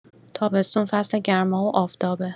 تابستون فصل گرما و آفتابه.